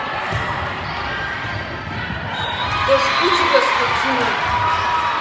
подожгу тебя скотина